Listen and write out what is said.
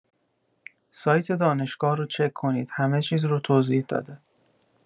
سایت دانشگاه رو چک کنید همه چیز رو توضیح داده